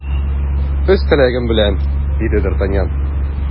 Үз теләгем белән! - диде д’Артаньян.